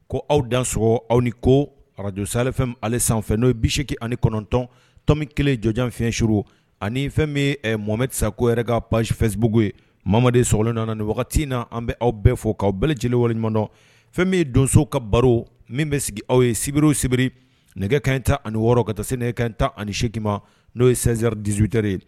Ko aw dan sɔrɔ aw ni ko arajo sa ale fɛn ale sanfɛ n'o ye biseki ani kɔnɔntɔntɔnmi kelen jɔjan fɛnur ani fɛn bɛ momɛtisa ko yɛrɛ ka pafɛbugu ye mama de sogolon nana ni wagati in na an bɛ aw bɛɛ fɔ k' bɛɛ lajɛlenele waleɲumandɔ fɛn min ye donso ka baro min bɛ sigi aw ye sibiriw sibiri nɛgɛ kɛ in ta ani wɔɔrɔ ka taa se nɛgɛ kɛ ta ani8kima n'o ye szridizotere ye